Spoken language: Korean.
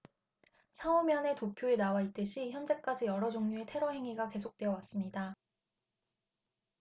사 오 면의 도표에 나와 있듯이 현재까지 여러 종류의 테러 행위가 계속되어 왔습니다